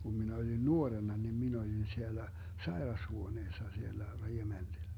kun minä olin nuorena niin minä olin siellä sairashuoneessa siellä rekementillä